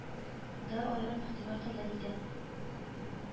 Да аерым игътибар таләп итә